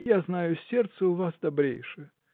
я знаю, сердце у вас добрейшее.